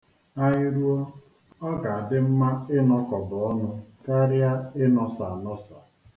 Anyị ruo, ọ ga-adị mma ịnọkọba ọnụ karịa ịnọsa anọsa.